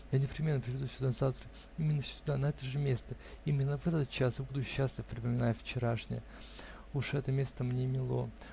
Я непременно приду сюда завтра, именно сюда, на это же место, именно в этот час, и буду счастлив, припоминая вчерашнее. Уж это место мне мило.